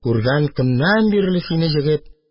Күргән көннән бирле сине, егет